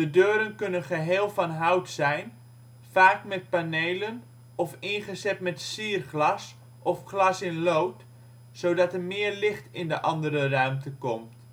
deuren kunnen geheel van hout zijn, vaak met panelen, of ingezet met sierglas of glas-in-lood, zodat er meer licht in de andere ruimte komt